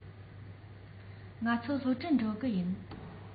ང ཚོ སློབ གྲྭར འགྲོ གི ཡིན